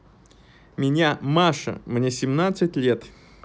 меня masha мне семнадцать лет